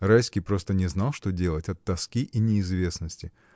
Райский просто не знал, что делать от тоски и неизвестности.